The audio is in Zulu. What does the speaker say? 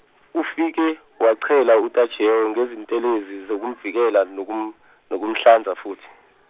ufike wachela uTajewo ngezintelezi zokumvikela nokum- nokumhlanza futhi.